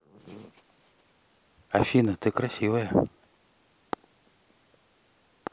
афина ты красивая